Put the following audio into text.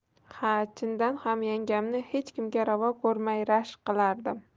ha chindan ham yangamni hech kimga ravo ko'rmay rashk qilardim